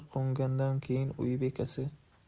qo'ngandan keyin uy egasi